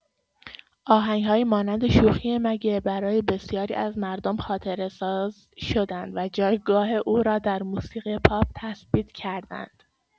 آهنگ‌هایی مانند شوخیه مگه برای بسیاری از مردم خاطره‌ساز شدند و جایگاه او را در موسیقی پاپ تثبیت کردند.